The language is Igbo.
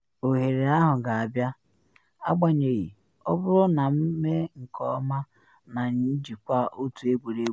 Ohere ahụ ga-abịa, agbanyeghị, ọ bụrụ na m mee nke ọma na njikwa otu egwuregwu.”